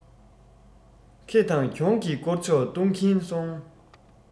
ཁེ དང གྱོང གི བསྐོར ཕྱོགས གཏོང གིན སོང